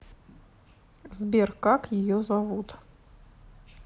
сбер как ее зовут